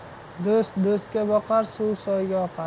do'st do'stga boqar suv soyga oqar